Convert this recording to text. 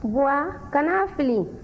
baba kan'a fili